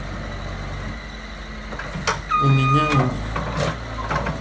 у меня ой